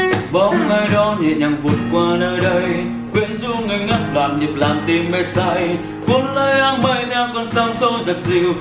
bóng ai đó nhẹ nhàng vụt qua nơi đây quyến rũ ngây ngất loạn nhịp làm tim mê say cuốn lấy áng mây theo cơn sóng xô dập dìu